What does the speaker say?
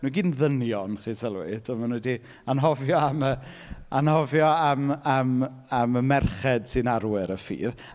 Maen nhw i gyd yn ddynion, chi'n sylwi. Timod maen nhw 'di anghofio am y anghofio am am am y merched sy'n arwyr y ffydd.